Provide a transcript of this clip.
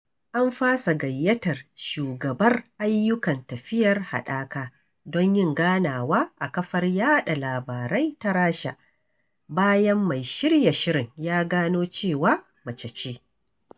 An fasa gayyatar shugabar ayyukan tafiyar haɗaka don yin ganawa a kafar yaɗa labarai ta Rasha, bayan mai shirya shirin ya gano cewa mace ce